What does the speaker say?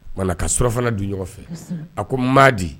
Munna ka surafana dun ɲɔgɔn fɛ a ko ma di